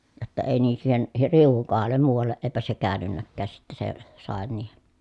jotta ei niin siihen riu'un kohdalle muualle eipä se käynytkään sitten se sade niihin